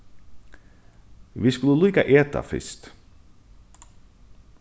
vit skulu líka eta fyrst